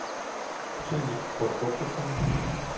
«шинник» спорт комплексының